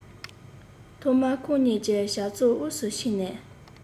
ཐོག མར ཁོང གཉིས ཀྱི བྱ ཚོགས དབུས སུ ཕྱིན ནས